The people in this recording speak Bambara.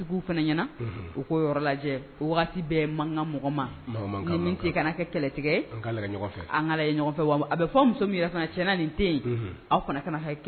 Lajɛ bɛ mankan mɔgɔ kana kɛ kɛlɛ tigɛ ka ɲɔgɔn fɛ wa a bɛ fɔ muso min tiɲɛna ni